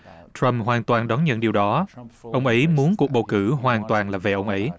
troam hoàn toàn đón nhận điều đó ông ấy muốn cuộc bầu cử hoàn toàn là về ông ấy